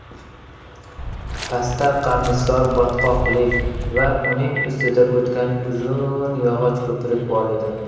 pastda qamishzor botqoqlik va uning ustidan o'tgan uzun yog'och ko'prik bor edi